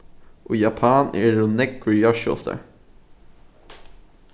í japan eru nógvir jarðskjálvtar